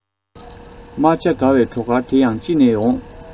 རྨ བྱ དགའ བའི བྲོ གར དེ ཡང ཅི ནས འོང